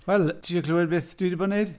Wel, ti 'di clywed beth dwi 'di bod yn wneud?